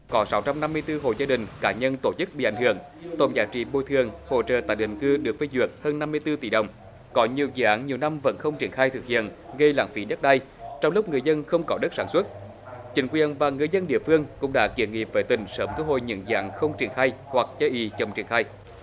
có sáu trăm năm mươi tư hộ gia đình cá nhân tổ chức bị ảnh hưởng tổng giá trị bồi thường hỗ trợ tái định cư được phê duyệt hơn năm mươi tư tỷ đồng có nhiều dự án nhiều năm vẫn không triển khai thực hiện gây lãng phí đất đai trong lúc người dân không có đất sản xuất chính quyền và người dân địa phương cũng đã kiến nghị về tỉnh sớm thu hồi những dự án không triển khai hoặc chây ỳ chậm triển khai